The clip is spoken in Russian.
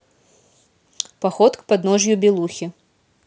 поход к подножью белухи